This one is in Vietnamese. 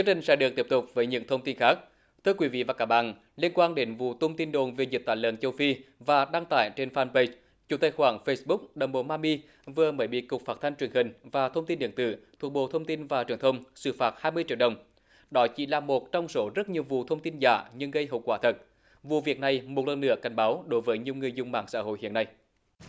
trình sẽ được tiếp tục với những thông tin khác thưa quý vị và các bạn liên quan đến vụ tung tin đồn về dịch tả lợn châu phi và đăng tải trên phan pây chủ tài khoản phây búc đầm bầu măm mi vừa mới bị cục phát thanh truyền hình và thông tin điện tử thuộc bộ thông tin và truyền thông xử phạt hai mươi triệu đồng đó chỉ là một trong số rất nhiều vụ thông tin giả nhưng gây hậu quả thật vụ việc này một lần nữa cảnh báo đối với nhiều người dùng mạng xã hội hiện nay